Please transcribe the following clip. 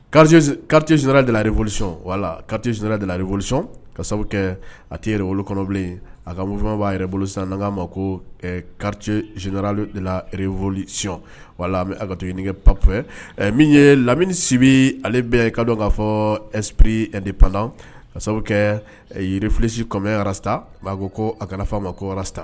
Kari karitisidrarepolisɔn wala katidreolisi ka sababu kɛ a te rewolo kɔnɔbilen a ka muso b'a oli sa n'a ma ko kati de repsiy wala a ka tuguge pap fɛ min ye lamini sibi ale bɛ ka dɔn k'a fɔ esp de pan ka sababu kɛ yirifisi kɔ sa'a ko ko a kana' a ma ko ta